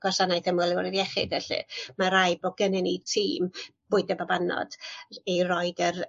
gwasanaeth ymwelwyr iechyd felly ma' raid bod gennyn ni tîm bwydo babanod i roid yr